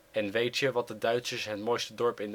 En weet je, wat de Duitsers het mooiste dorp